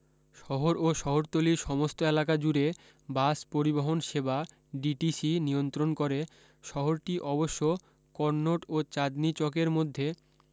শহর ও শহরতলির সমস্ত এলাকা জুড়ে বাস পরিবহন সেবা ডিটিসি নিয়ন্ত্রণ করে শহরটি অবশ্য কন্নট ও চাদনী চকের মধ্যে